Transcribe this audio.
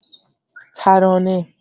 ترانه